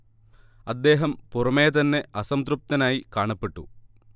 അദ്ദേഹം പുറമേ തന്നെ അസംതൃപ്തനായി കാണപ്പെട്ടു